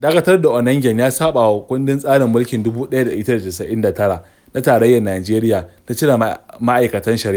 Dakatar da Onnoghen ya saɓa wa kundin tsarin mulkin 1999 na Tarayyar Najeriya na cire ma'aikatan shari'a.